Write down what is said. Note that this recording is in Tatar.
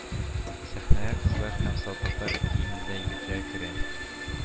Сәхнәгә кызлар һәм солдатлар киемендә егетләр керә